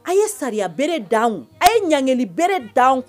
A ye sariya bere d'an kun, a ye ɲankili bere d'an kin.